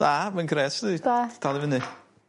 Da mae'n grêt 'di. Da. Dal i fyny.